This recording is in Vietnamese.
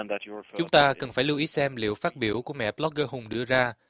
chúng ta cần phải lưu ý xem liệu phát biểu của mẹ bờ lóc gơ hùng đưa ra